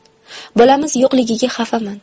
bolamiz yo'qligiga xafaman